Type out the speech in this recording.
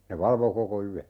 ne valvoi koko yön